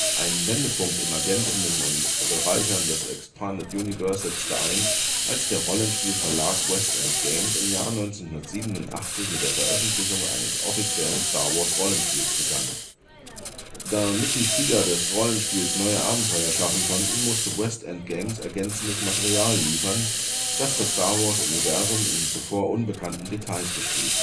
Ein Wendepunkt im ergänzen und bereichern des Expanded Universe setzte ein, als der Rollenspiel-Verlag West End Games im Jahr 1987 mit der Veröffentlichung eines offiziellen Star-Wars-Rollenspiels begann. Damit die Spieler des Rollenspiels (abgekürzt: " RPG " für " Role Playing Game ") neue Abenteuer schaffen konnten, musste West End Games ergänzendes Material liefern, das das Star-Wars-Universum in zuvor unbekannten Details beschrieb